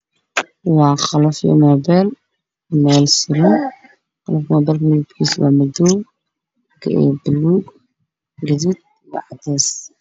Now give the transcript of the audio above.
Waa qolaf io mobele mel suran mobelka midabkis waa madow balug gadud cades